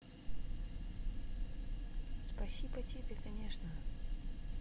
спаси потепи конечно